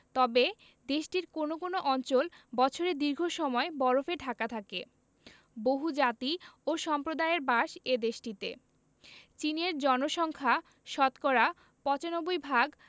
তবে দেশটির কোনো কোনো অঞ্চল বছরের দীর্ঘ সময় বরফে ঢাকা থাকে বহুজাতি ও সম্প্রদায়ের বাস এ দেশটিতে চীনের জনসংখ্যা শতকরা ৯৫ ভাগ